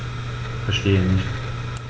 Verstehe nicht.